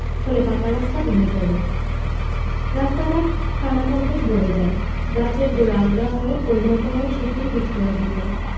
ফলে পাকা রাস্তা ভেঙ্গে পড়ে রাস্তাঘাট খানাখন্দকে ভরে যায় গাছের গোড়া আলগা হয়ে পরিণত হয় শিথিল বিক্ষরাজিতে